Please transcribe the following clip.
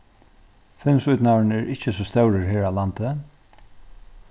filmsídnaðurin er ikki so stórur her á landi